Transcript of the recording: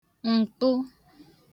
m̀kpụ